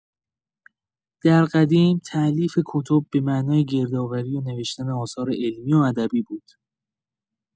در قدیم، تألیف کتب به معنای گردآوری و نوشتن آثار علمی و ادبی بود.